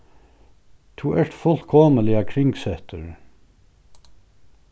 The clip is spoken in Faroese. tú ert fullkomiliga kringsettur